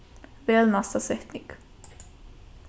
vel næsta setning